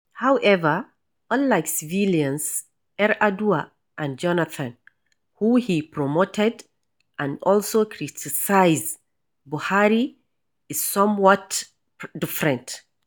However, unlike civilians – Yar’Adua and Jonathan – who he promoted and also criticized, Buhari is somewhat different.